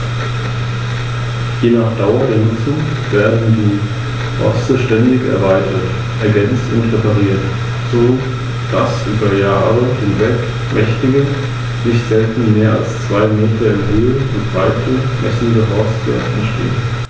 Weibchen wiegen 3,8 bis 6,7 kg, die leichteren Männchen 2,8 bis 4,6 kg. Steinadler haben 11 Handschwingen, die äußerste (11.) Handschwinge ist jedoch sehr klein.